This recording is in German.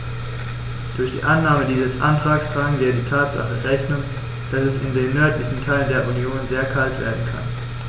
Durch die Annahme dieses Antrags tragen wir der Tatsache Rechnung, dass es in den nördlichen Teilen der Union sehr kalt werden kann.